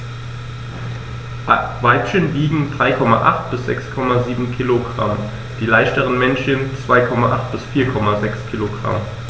Weibchen wiegen 3,8 bis 6,7 kg, die leichteren Männchen 2,8 bis 4,6 kg.